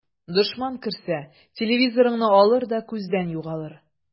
Дошман керсә, телевизорыңны алыр да күздән югалыр.